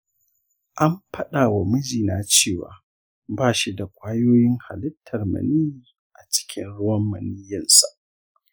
an faɗa wa mijina cewa bashi da ƙwayoyin halittar maniyyi a cikin ruwan maniyyinsa.